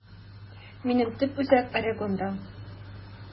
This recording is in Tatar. Минем төп үзәк Орегонда.